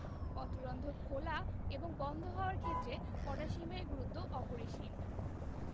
পত্ররন্ধ্র খেলা এবং বন্ধ হওয়ার ক্ষেত্রে পটাশিয়ামের গুরুত্ব অপরিসীম